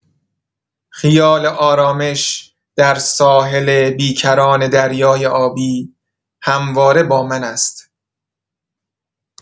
خیال آرامش در ساحل بی‌کران دریای آبی همواره با من است.